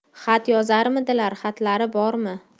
xat yozarmidilar xatlari bormi